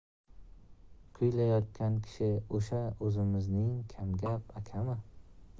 kuylayotgan kishi o'sha o'zimizning kamgap akami